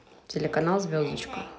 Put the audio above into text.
телеканал звездочка